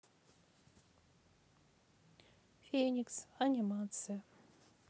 феникс анимация